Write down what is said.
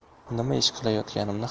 nima ish qilayotganimni